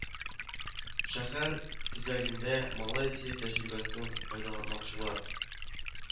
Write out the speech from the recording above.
Шәһәр төзегәндә малайзия тәҗрибәсен файдаланмакчылар